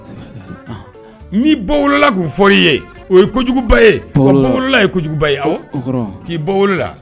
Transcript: N' bɔ wolola k'u fɔ i ye o ye kojuguba yela ye kojuguba ye k'i bɔla